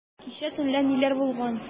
Кичә төнлә ниләр булган?